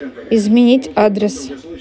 изменить адрес